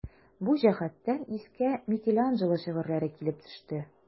Бу җәһәттән искә Микеланджело шигырьләре килеп төште.